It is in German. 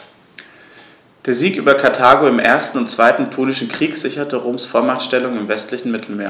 Der Sieg über Karthago im 1. und 2. Punischen Krieg sicherte Roms Vormachtstellung im westlichen Mittelmeer.